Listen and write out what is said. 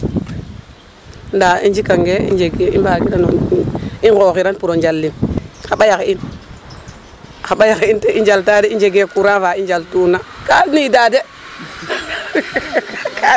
Ndaa i njikangee i njegke, i mbaagkiran o mbi', i nqooxiran pour o njalin xa ɓay axe in, xa ɓay axe in te i njalta de i njegee courant fa i njaltuna kaa niidaa de.